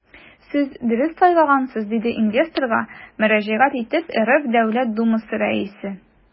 Сез дөрес сайлагансыз, - диде инвесторга мөрәҗәгать итеп РФ Дәүләт Думасы Рәисе.